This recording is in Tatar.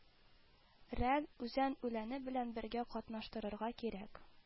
Рән, үзән үләне белән бергә катнаштырырга кирәк